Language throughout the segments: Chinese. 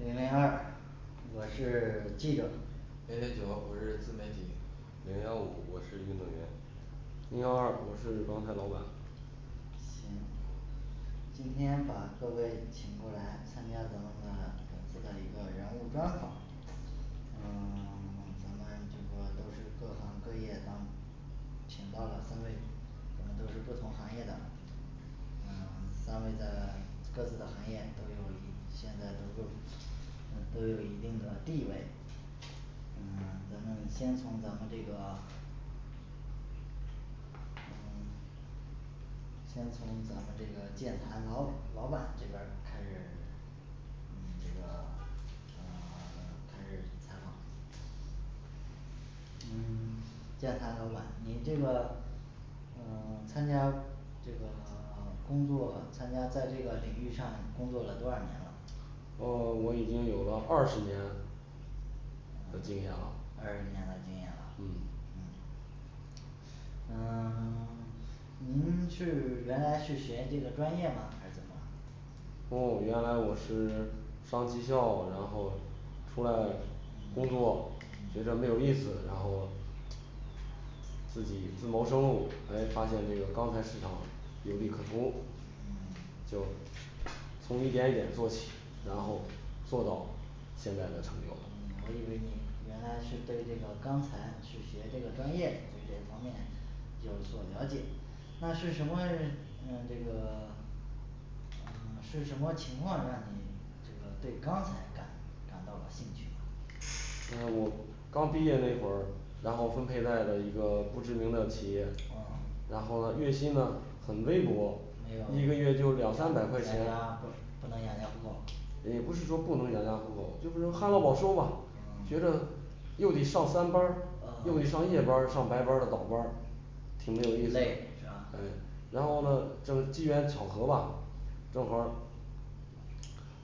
零零二我是记者零零九我是自媒体零幺五我是运动员零幺二我是钢材老板行今天把各位请过来参加咱们的本次的一个人物专访呃 咱们这个都是各行各业当请到了三位咱们都是不同行业的呃三位在 各自的行业都有一现在都够嗯都有一定的地位嗯 咱们先从咱们这个嗯先从咱们这个建材老老板这边儿开始 嗯 这个呃 开始采访嗯建材老板您这个嗯 参加这个 工作参加在这个领域上工作了多少年了哦我已经有了二十年的经验啦二十年的经验啦嗯嗯呃 您是原来是学这个专业吗还是怎么不我原来我是上技校然后出来工作觉着嗯嗯没有意思然后自己自谋生路诶发现这个钢材市场有利可图嗯就从一点一点做起然后嗯做到现在的成就了嗯我以为你原来是对这个钢材是学这个专业嘞对这方面有所了解，那是什么嗯这个 嗯是什么情况让你这个对钢材感感到了兴趣呢嗯我刚毕业那会儿然后分配在了一个不知名的企业嗯然后呢月薪呢很微薄，一个月就两三百块钱啊不能养家糊口也不是说不能养家糊口就比如旱涝保收吧觉嗯着，又得上三班儿又得嗯上夜班儿上白班儿的倒班儿挺没有意思累是吧嗯然后呢正机缘巧合吧正好儿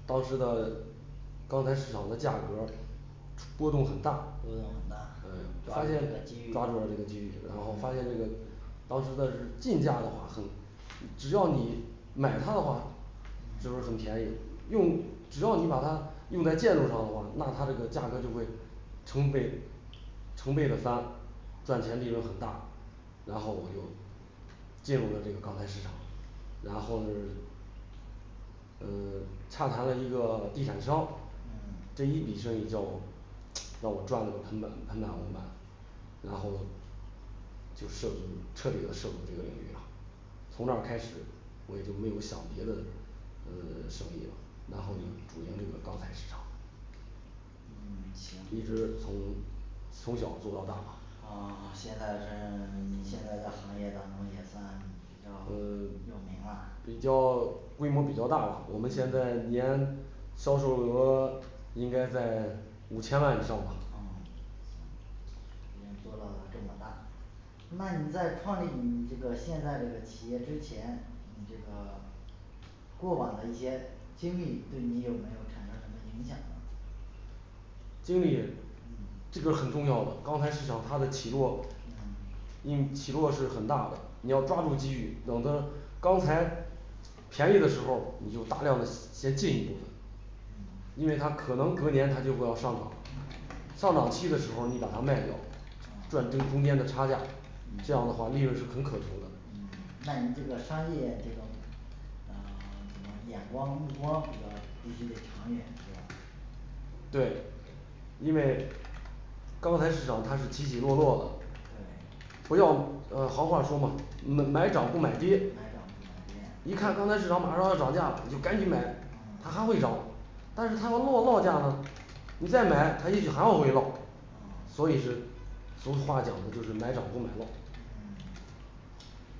当时的钢材市场的价格儿波动很大波动很大嗯发抓住现了这抓住了这个个机机遇遇然后嗯发现这个当时的是进价的话很只是你买他的话就是很嗯便宜用只要你把它用在建筑上的话那它这个价格就会成倍成倍的翻赚钱利润很大，然后我就进入了这个钢材市场然后呃洽谈了一个地产商嗯这一笔生意叫我 让我赚了个盆满盆满锅满然后就涉足彻底的涉足这个领域啊从那儿开始我也就没有想别的呃 生意啦，然后就嗯主营这个钢材市场嗯 一直行从从小做到大啊 现在在， 你现在在行业当中也算比较呃 有名啦比较规模比较大吧我们现在年销售额应该在五千万以上吧嗯嗯做到了这么大那你在创立你这个现在这个企业之前你这个过往的一些经历对你有没有产生什么影响呢经历嗯这个很重要的钢材市场它的起落嗯因起落是很大的你要抓住机遇等着钢材便宜的时候儿你就大量的先进一部分因为它可能隔年它这就会要上涨上涨期的时候儿你把它卖掉赚这个中间的差价嗯嗯这样的话利润是很可图的那你这个商业这个呃怎么眼光儿目光儿比较必须得长远是吧对因为钢材市场它是起起落落的不要呃行话说嘛买买 涨不买跌买涨不买跌一看钢材市场马上要涨价了，你就赶紧买，它还嗯会涨但是它要落落价呢你再买它也许还会往会落所以是俗话讲的就是买涨不买落嗯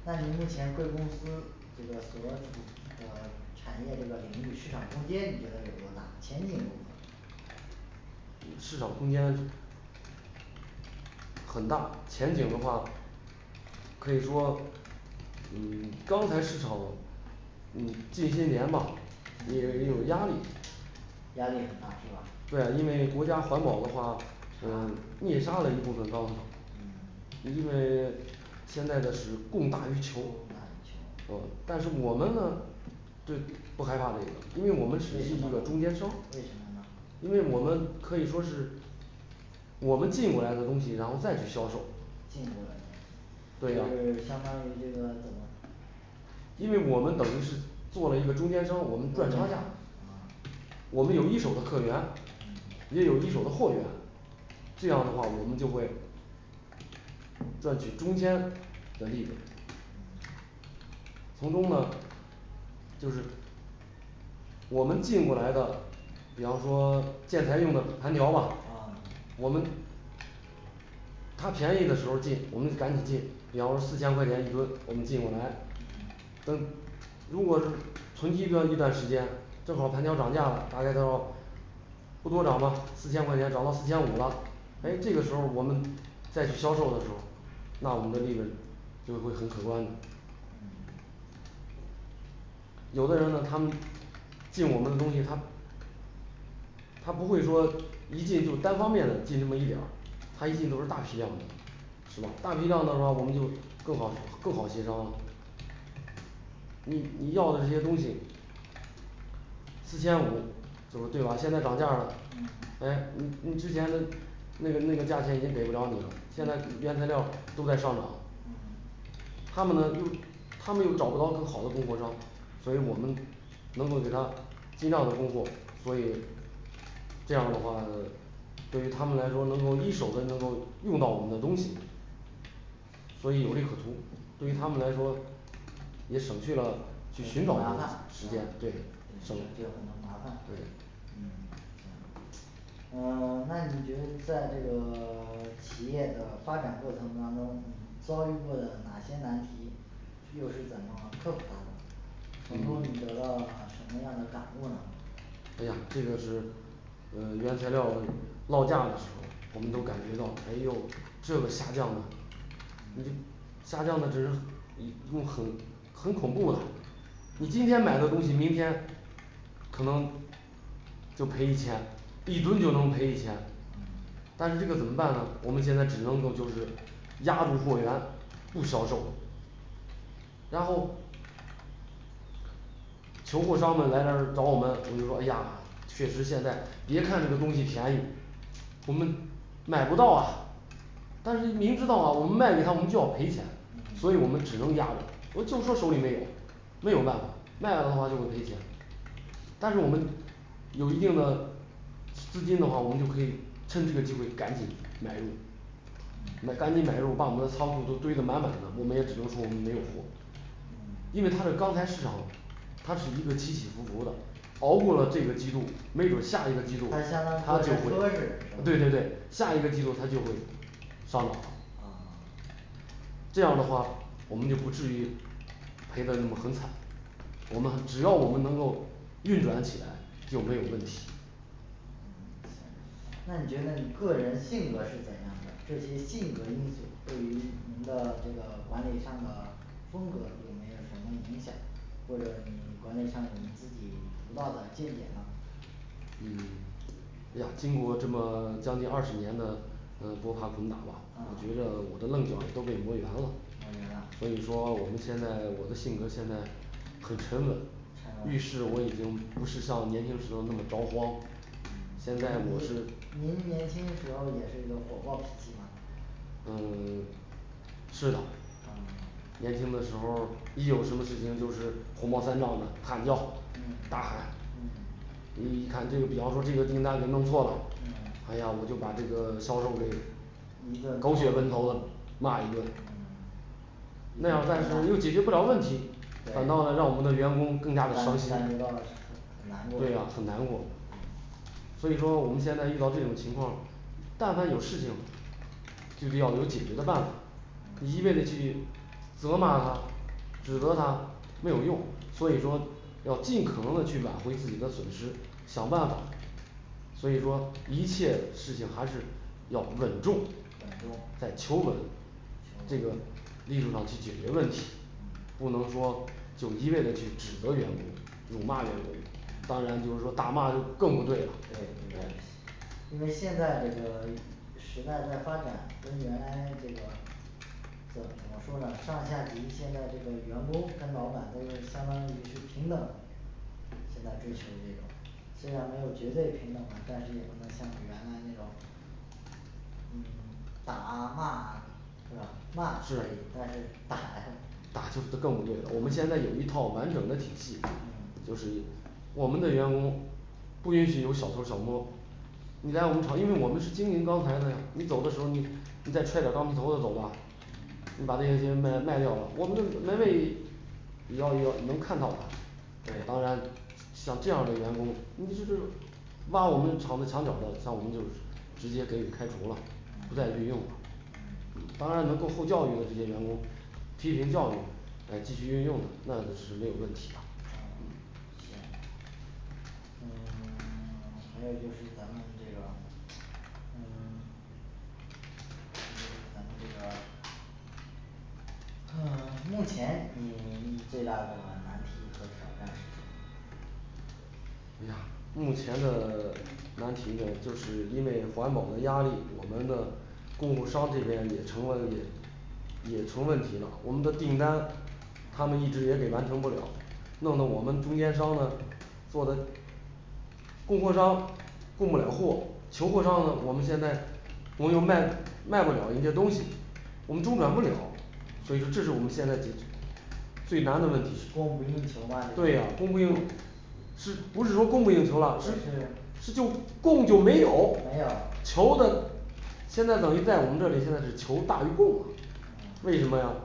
那您目前贵公司这个所处的产业这个领域市场空间你觉得有多大前景如何嗯市场空间很大前景的话可以说嗯钢材市场嗯这些年吧因为有压力压力很大是吧对啊因为国家环保的话嗯查灭杀了一部分钢厂因为嗯但是我们呢对不害怕这个因为我为什么呢为们属于一个中间商因什么呢为我们可以说是我们进过来的东西然后再去销售进过来的就是对啊相当于这个怎么因为我们等于是做了一个中间商我中们间赚差商是价嘛我们有一手的客源也有一手的货源这样的话我们就会赚取中间的利润从中呢就是我们进过来的比方说 建材用来的弹条吧嗯我们它便宜的时候进我们赶紧进比方四千块钱一吨我们进过来嗯等如果存积这段时间正好弹条涨价了大概到不多涨吧四千块钱涨到四千五了，诶这个时嗯候儿我们再去销售的时候那我们的利润就会很可观嗯行有的人呢他们进我们的东西他他不会说一进就单方面的进那么一点儿，他一进都是大批量的是吧，大批量的话我们就更好更好协商你你要的这些东西四千五，怎么对吧现在涨价儿了嗯，诶你 你之前的那个那个价钱已经给不了你了，现在原材嗯嗯料儿都在上涨嗯他们呢他们又找不到更好的供货商，所以我们能够给他低量的供货所以这样的话 对于他们来说能够一手的能够用到我们的东西所以有利可图对于他们来说也省去了去寻找麻烦时间对省去了很多麻烦对嗯行呃 那你觉得在这个 企业的发展过程当中你遭遇过了哪些难题是又是怎么克服它的从中你得到了什么样的感悟呢哎呀这个是呃原材料儿落价的时候我们都感觉到诶呦这个下降的你下降的值一又很很恐怖的你今天买的东西明天可能就赔一千但是这个怎么办呢，我们现在只能够就是压住货源不销售然后求货商们来这儿找我们我们说哎呀确实现在别看这个东西便宜我们买不到啊但是明知道啊我们卖给他我们就要赔钱，所以我们嗯只能压着我就说手里没有没有那卖了的话就会赔钱但是我们有一定的资金的话，我们就可以趁这个机会赶紧买入买赶紧买入把我们的仓库都堆的满满的，我们也只能说我们没有货因为嗯它的钢材市场它是一个起起伏伏的熬过了这个季度没准儿下一个季度它相当于它来就会说是对对对，下一个季度它就会上涨这样的话我们就不至于赔的那么很惨我们只要我们能够运转起来就没有问题那你觉得你个人性格是怎样的，这些性格因素对于您的这个管理上的风格有没有什么影响或者你管理上有没有自己独到的见解呢嗯噢是磨圆啦所以说我们现在我的性格现在很沉稳遇事沉稳我已经不是像年轻时候那么着慌现在我是您年轻时候儿也是一个火爆脾气吗嗯 是的年轻的时候儿一有什么事情就是火冒三丈的喊叫嗯大喊嗯嗯你看这个比方说这个订单给弄错了嗯哎呀我就把这个销售给一顿狗血喷头的骂一顿嗯那样但是又解决不了问题，反倒呢让对我们的员感感觉到工更加的伤伤心对呀很很难难过过所以说我们现在遇到这种情况儿但凡有事情就得要有解决的办法一味的去责骂他指责他没有用，所以说要尽可能的去挽回自己的损失，想办法所以说一切事情还是要稳重稳重求稳求这个稳力度上去解决问题不能说就一味的去指责员工辱骂员工，当然就是说打骂更不对啦因为现在这个时代在发展跟原来这个怎怎样说呢上下级现在这个员工跟老板都是相当于是平等的现在支持这种虽然没有绝对平等吧，但是也不能像原来那种嗯打啊骂啊是吧骂可以是但是打还是打那就更不对啦我们现在有一套完整的体系，就是我们的员工不允许有小偷小摸你来我们厂因为我们是经营钢材的呀你走的时候儿你你在揣点儿钢皮头子走吧，你把这个些卖卖掉啦我们这门卫也要也要能看到当然对像这样的员工你是骂我们厂的厂长的像我们就是直接给予开除了，不再运用了嗯当然能够受教育的这些员工，批评教育，诶继续运用的那是没有问题的嗯啊行嗯 还有就是咱们这个嗯 还有就是咱们这个嗯，目前你 最大的难题和挑战是什么唉呀，目前的 难题呢，就是因为环保的压力，我们的供货商这边也成了也也成问题了，我们的订单他们一嗯直也给完成不了，弄的我们中间商呢做的供货商供不了货，求货商呢，我们现在我又卖卖不了人家东西，我们周转不了，所以说这是嗯我们现在解决 最难的问题对呀供不应是不是说供不应求啊，是只是是就供就没有没有，求呢现在等于在我们这里，现在是求大于供嗯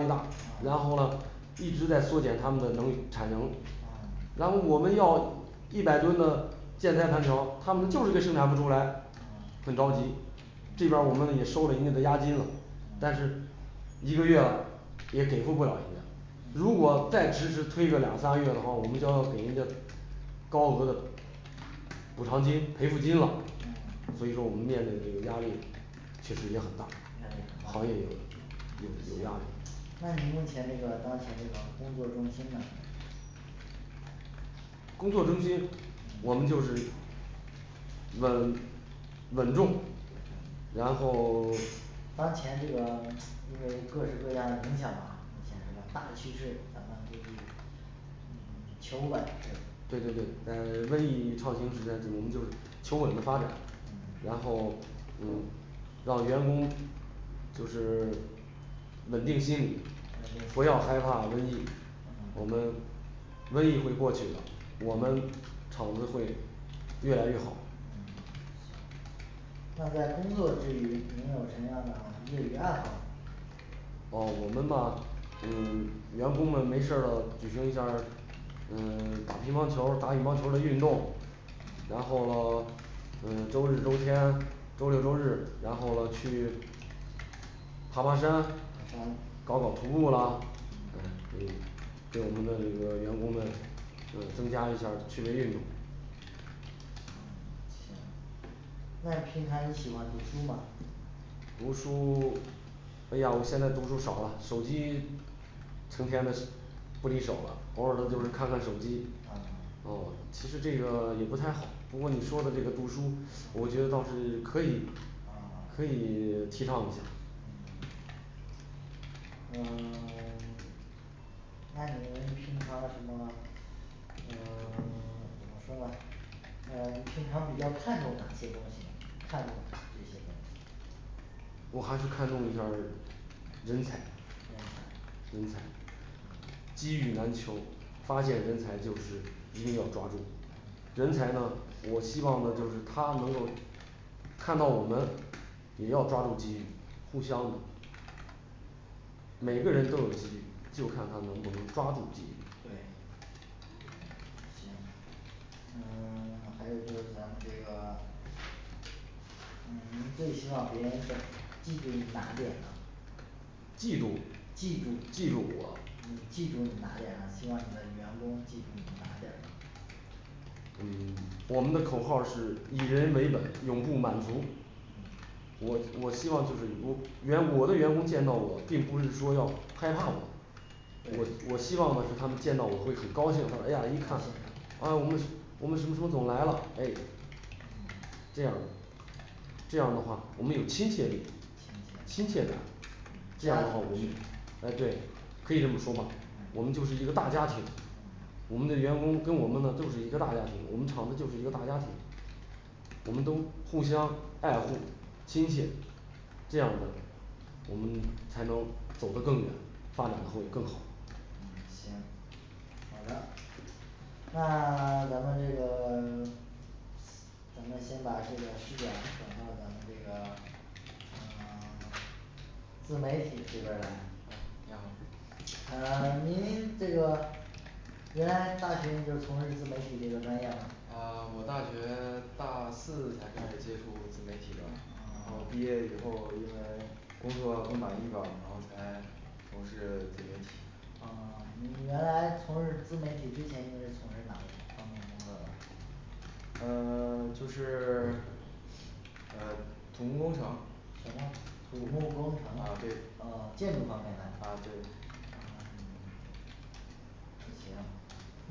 嗯然后我们嗯要一百吨的建材弹条，他们就是给生产不出来嗯很着急这边儿我们也收了人家的押金了，但是嗯一个月也给付不老些如果再迟迟推个两仨月的话，我们就要给人家高额的补偿金赔付金了嗯所以说我们面对的这个压力确实也很大压力行业有有有很压大力那您目前这个当前这种工作重心呢工作中心我们嗯就是稳稳重然后 当前这个 因为各式各样影响吧目前是吧大趋势咱们估计得求稳对对对求稳的发展然嗯行后嗯让员工就是 稳定心理稳定不要害怕心里瘟疫我们嗯瘟疫会过去的我们厂子会越来越好那在工作之余您有什么样的业余爱好哦，我们那嗯，员工们没事儿了举行一下儿呃，打乒乓球，打羽毛球的运动然后咯嗯，周日周天周六周日然后了去爬爬山，然爬后山搞搞徒步啦嗯可以给我们的这个员工们，呃，增加一下儿趣味运动嗯行那平常你喜欢读书吗？读书 哎呀，我现在读书少了手机成天的是 不离手了，偶尔呢就是看看手机啊哦其实这个也不太好，不过你说的这个读书，我觉得倒是可以可以 提倡一下嗯 那您平常什么嗯 怎么说呢呃你平常比较看重哪些东西呢看重这些东西人才人才机遇难求发现人才就是一定要抓住人才呢我希望呢就是他能够看到我们也要抓住机遇，互相的每个人都有机遇，就看他能不能抓住机遇对行嗯 还有就是咱们这个嗯您最希望别人记住你哪点呢嫉妒记住记住我嗯记住你哪点儿呢希望你的员工记住你哪点儿呢嗯我们的口号是以人为本永不满足我我希望就是我员我的员工见到我并不是说要害怕我我我希望的是他们见到我会很高兴哎呀一看高诶兴哦我们什我们什么什么总来了诶嗯这样这样的话我们有亲切力亲切感这样家的话我们庭诶对，可以这么说吧嗯，我们就是一个大家庭嗯这样呢我们才能走的更远，发展的会更好那咱们这个我们先把这个事啊，讲到我们这个呃 多媒体这边来嗯你好啊 您这个原来大学你就是从事自媒体这个专业吗啊，我大学大 四才开始接触自媒体的，然后毕业以后因为工作不满意吧然后才从事自媒体哦原来从事自媒体之前您是从事哪个方面工作的呃 就是 呃土木工程什么土木工程啊对哦建筑方面嘞啊对啊嗯行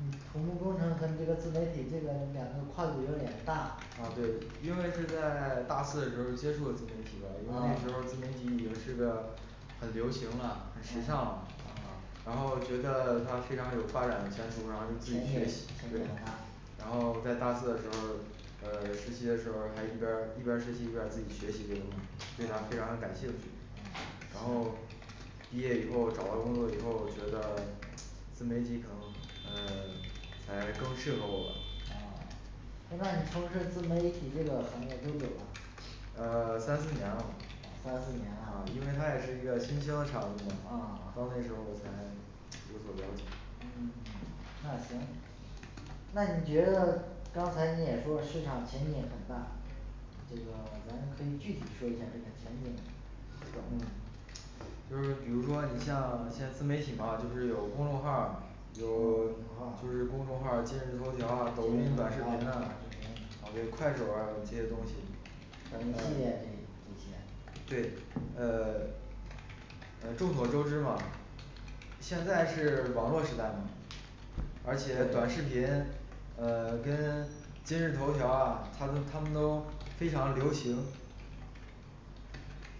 嗯土木工程和你这个自媒体这个两个跨度有点大啊对因为是在大四的时候接触的自媒体嘛，因为那个时候已经是个很流行啦很时尚啦啊啊然后觉得它非常有发展的前途然后又然后在大四的时候儿呃实习的时候儿，还一边儿一边儿实习一边儿自己学习这个嘛，对它非噢常感兴趣然后行毕业以后找到工作以后觉得自媒体可能呃才更适合我吧噢诶那你从事自媒体这个行业多久了呃 三四年了吧三四年啊啦因为它也是一个新兴的产物嘛，啊到那时候儿我才有所了解嗯那行那你觉得刚才你也说市场前景很大这个咱可以具体说一下这个前景怎么嗯就是比如说你像一些自媒体嘛，就是有公众号儿有 就是公众号儿今日头条儿啊抖音短视频啊还有快手啊这些东西对呃呃众所周知嘛现在是网络时代嘛而且短视对频，呃跟今日头条儿啊它们它们都非常流行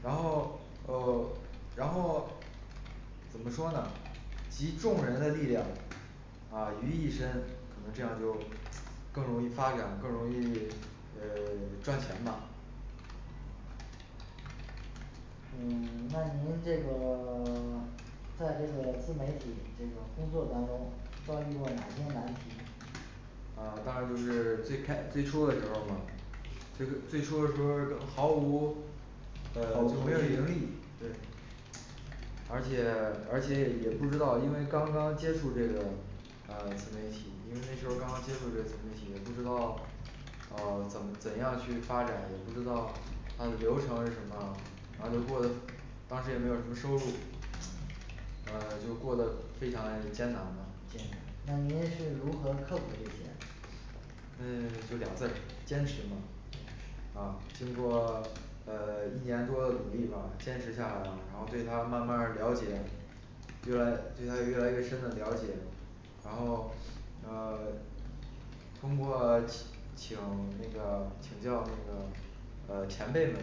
然后哦然后怎么说呢集众人的力量啊于一身可能这样就更容易发展更容易呃 赚钱吧呃那您这个 在这个自媒体这个工作当中遭遇过哪些难题呃当时就是最开最初的时候儿吧最科 最初的时候儿毫无毫呃无头没有盈利绪对而且而且也不知道，因为刚刚接触这个呃自媒体因为那时候儿刚刚接触这个自媒体也不知道啊，怎么怎样去发展，也不知道它的流程是什么，而且过当时也没有什么收入呃就过的非常艰难嘛艰难那您是如何克服这些嗯 就俩字坚持吧啊经过呃，一年多的努力吧坚持下来啦然后对它慢儿慢儿的了解越来对它越来越深的了解然后呃通过七 请那个请教那个呃前辈们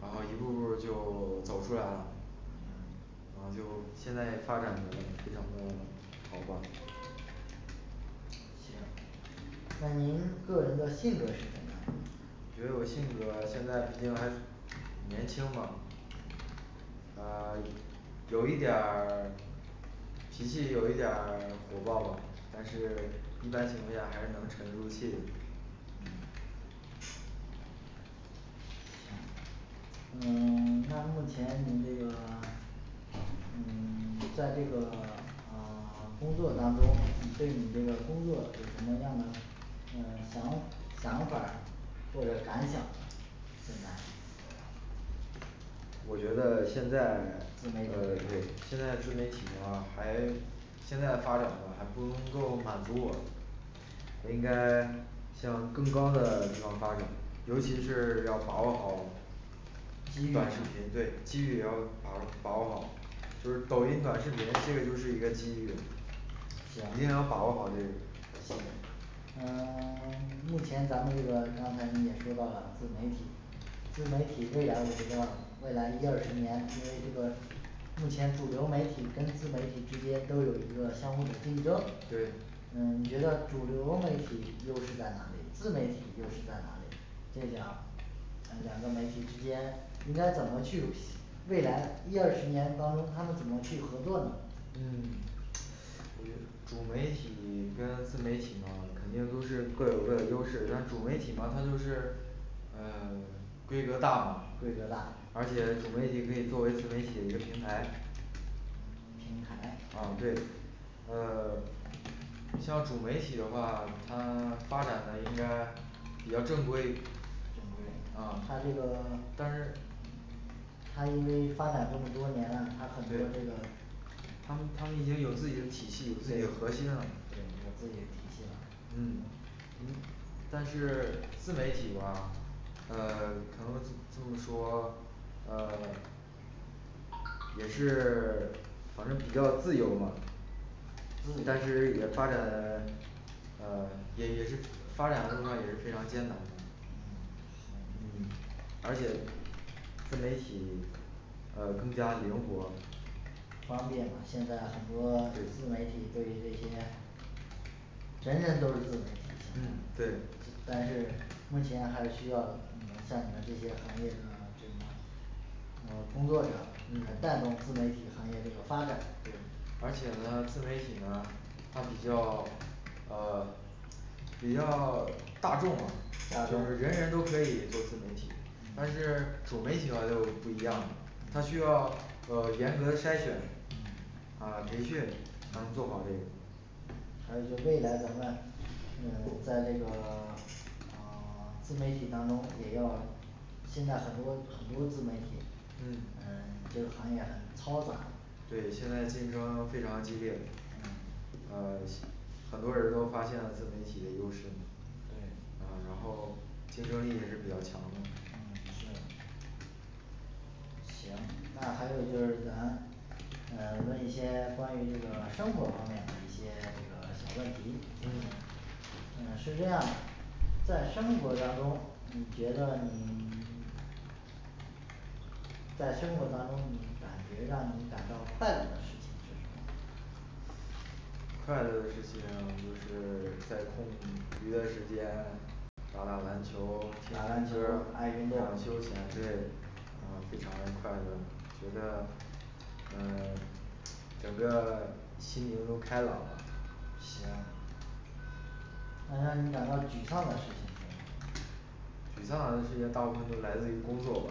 然后一步儿步儿就 走出来了嘛啊就现在发展的非常的好吧行那您个人的性格是怎样的觉得我性格现在毕竟还是年轻吧啊 有一点儿脾气有一点儿火爆吧，但是一般情况下还是能沉住气嗯行嗯 那目前你这个 嗯 在这个呃 工作当中你对你这个工作有什么样的呃想想法儿或者感想呢我觉得现在，自媒呃对体现在自媒体呢，还现在发展的还不够满足我我应该向更高的地方发展，尤其是要把握好机短视频遇对机遇也要把把握好就是抖音短视频这个就是一个机遇一定行要把握好这个呃 目前咱们这个刚才你也说到了自媒体自媒体未来有什么未来一二十年因为这个目前主流媒体跟自媒体之间都有一个相互的竞争对嗯你觉得主流媒体优势在哪里，自媒体优势在哪里它们两个媒体之间应该怎么去，未来一二十年当中它们怎么去合作呢自媒体呢因为都是各有各的优势，但主媒体呢呃 规格大嘛规格大而且主媒体可以作为嗯对呃 像主媒体的话，它发展的应该比较正规它因为发展这么多年了它们它们已经有自己的体系有自己的核心了对有自己的体系了嗯嗯但是自媒体吧，呃，可能就是说呃 也是 反正比较自由吧但是也发展 呃也也是发展这么快也是非常艰难的而且自媒体呃更加灵活方便吧现在很多自媒对体对于这些人人都是自媒体嗯对但是目前还需要你们占你们这些行业这个呃工作者嗯带动自媒体行业这个发展对而且呢自媒体呢它比较呃比较大众嘛大，就是人众人都可以做自媒体 ，但是嗯主媒体的话就不一样了，它需要呃严格筛选嗯啊培训才能做好这个还有就未来咱们呃在这个 呃 自媒体当中也要现在很多很多自媒体呃嗯这个行业很嘈杂对现在竞争非常激烈嗯呃，很多人儿都发现自媒体的优势对然后竞争力也是比较强的嗯是行那还有就是咱呃问一些关于这个生活方面的一些这个小问题嗯是这样的在生活当中你觉得你在生活当中你感觉让你感到快乐的事快乐的事情就是在空余的时间打打篮球，听打篮听球歌爱运儿动然后休闲，对啊非常的快乐，觉得呃 整个心情都开朗了行那让你感到沮丧的事情沮丧的事情大部分都来自于工作吧